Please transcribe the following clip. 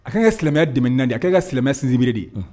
A ka silamɛya dɛmɛ naanidi ye a' ka silamɛ sinsinbiri de